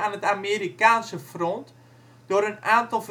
het Amerikaanse front door een aantal